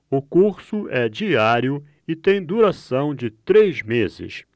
o curso é diário e tem duração de três meses